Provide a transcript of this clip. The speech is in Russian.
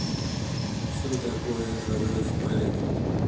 что такое разрыв молекулы